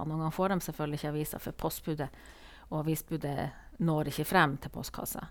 Og noen ganger så får dem selvfølgelig ikke avisa for postbudet og avisbudet når ikke frem til postkassa.